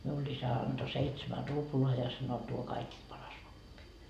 minulle isä antoi seitsemän ruplaa ja sanoi tuo kaikista paras vokki